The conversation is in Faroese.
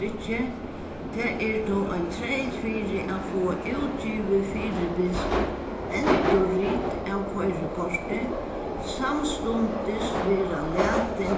stykki tað er tó ein treyt fyri at fáa útgivið fyribils endurrit av koyrikorti samstundis verða latin